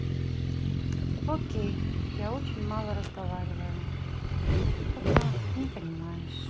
окей я очень мало разговариваю но ты пока не понимаешь